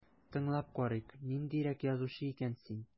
Тыңлап карыйк, ниндирәк язучы икән син...